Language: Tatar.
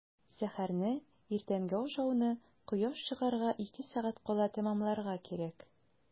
Сәхәрне – иртәнге ашауны кояш чыгарга ике сәгать кала тәмамларга кирәк.